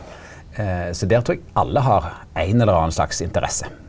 så der trur eg alle har ein eller annan slags interesse.